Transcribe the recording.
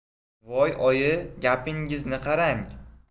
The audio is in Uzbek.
voy oyi gapingizni qarang